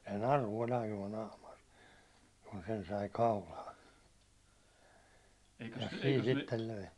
se naru oli ainoa naamari kun sen sai kaulaan siinä sitten löi